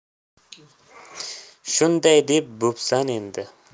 shunday deb bo'psan edi